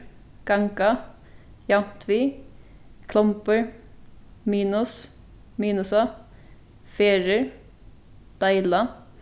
ganga javnt við klombur minus minusa ferðir deila